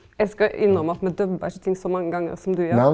eg skal innrømma at me dubba ikkje ting så mange gonger som du gjer.